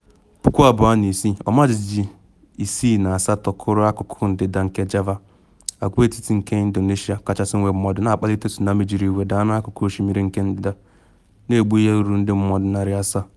2006: Ọmajiji 6.8 kụrụ akụkụ ndịda nke Java, agwaetiti nke Indonesia kachasị nwee mmadụ, na akpalite tsunami jiri iwe daa na akụkụ osimiri nke ndịda, na egbu ihe ruru ndị mmadụ 700.